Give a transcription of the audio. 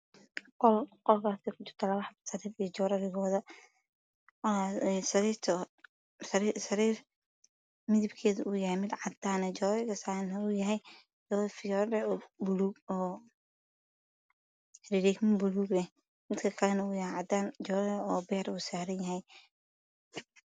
Waa qol waxaa yaalo labo sariir iyo joodarigooda, sariirta waa cadaan joodariga saaran waa joodari fiyoore ah oo buluug ah, midka kalana uu yahay cadaan oo joodari beer ah uu saaran yahay.